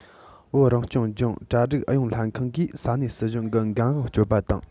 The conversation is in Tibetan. བོད རང སྐྱོང ལྗོངས གྲ སྒྲིག ཨུ ཡོན ལྷན ཁང གིས ས གནས སྲིད གཞུང གི འགན དབང སྤྱོད པ དང